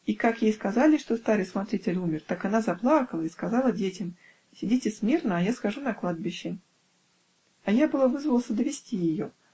и как ей сказали, что старый смотритель умер, так она заплакала и сказала детям: "Сидите смирно, а я схожу на кладбище". А я было вызвался довести ее.